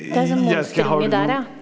det er sånn monsterunge der ja.